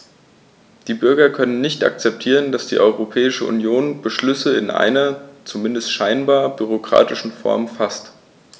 Die Bürger können nicht akzeptieren, dass die Europäische Union Beschlüsse in einer, zumindest scheinbar, bürokratischen Form faßt.